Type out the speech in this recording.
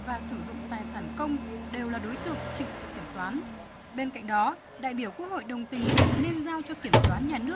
và sử dụng tài sản công đều là đối tượng chịu sự kiểm toán bên cạnh đó đại biểu quốc hội đồng tình việc nên giao cho kiểm toán nhà nước